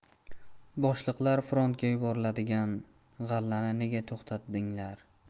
boshliqlar frontga yuboriladigan g'allani nega to'xtatdinglar